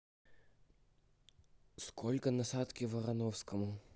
сколько насадки воровскому